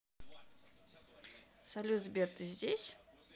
салют сбер ты здесь